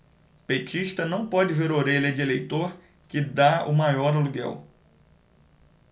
petista não pode ver orelha de eleitor que tá o maior aluguel